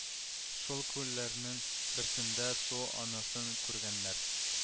Шул күлләрнең берсендә су анасын күргәннәр